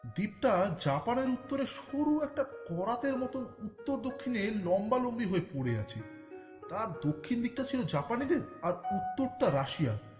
দ্বীপটা জাপানের উত্তরের শুরু একটা করাতের মতো উত্তর দক্ষিনে লম্বালম্বি হয়ে পড়ে আছে তার দক্ষিন দিকটা ছিল জাপানিদের আর উত্তরটা রাশিয়ার